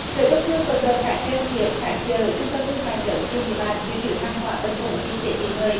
sở công thương vận động các doanh nghiệp các chợ trung tâm thương mại lớn trên địa bàn dự trữ hàng hóa bình ổn dịp tết kỷ hợi